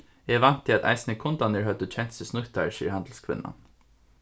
eg vænti at eisini kundarnir høvdu kent seg snýttar sigur handilskvinnan